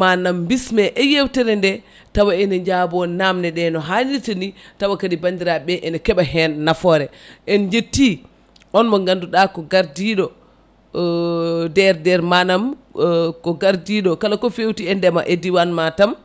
manam bisme e yewtere nde tawa ene jaabo namde nde ɗe no hannirta ni tawa kadi bandiraɓe ene keeɓa hen nafoore en jetti on mo ganduɗa ko gardiɗo DRDR manam ko ko gardiɗo kala ko fewti e ndeema e dewan Matam